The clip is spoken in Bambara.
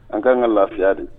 An ka'an ka lafiya de